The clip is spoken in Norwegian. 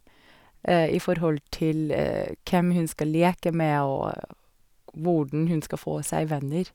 I forhold til hvem hun skal leke med, og hvordan hun skal få seg venner.